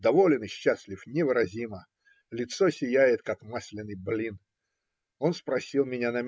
Доволен и счастлив невыразимо; лицо сияет, как масленый блин. Он спросил меня